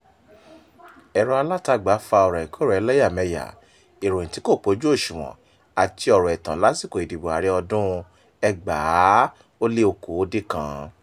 Ẹ̀rọ alátagbà fa ọ̀rọ̀ ìkórìíra ẹlẹ́yàmẹ́lẹ́yá, ìròyìn tí kò pójú òṣùwọ̀n àti ọ̀rọ̀ ẹ̀tàn lásìkò ìdìbò ààrẹ ọdún-un 2019